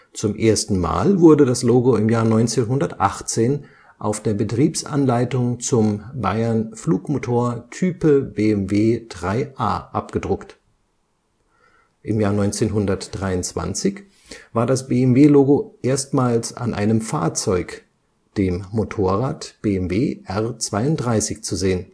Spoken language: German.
Zum ersten Mal wurde das Logo 1918 auf der Betriebsanleitung zum „ Bayern-Flugmotor Type BMW IIIa “abgedruckt. 1923 war das BMW-Logo erstmals an einem Fahrzeug, dem Motorrad BMW R 32, zu sehen